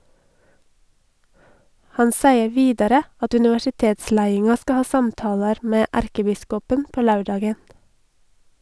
Han seier vidare at universitetsleiinga skal ha samtalar med erkebiskopen på laurdagen.